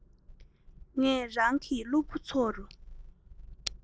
ངས རང གི སློབ བུ ཚོར